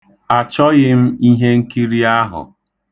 Achọghị m ihenkiri ahụ.